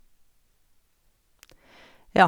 Ja.